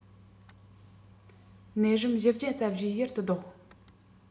ནད རིམས བཞི བརྒྱ རྩ བཞི ཡུལ དུ བཟློག